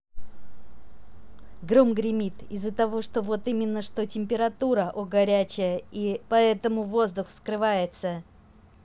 гром гремит из за того что вот именно что температура о горячая и поэтому воздух вскрывается